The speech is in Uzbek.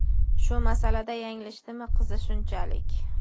shu masalada yanglishdimi qizi shunchalik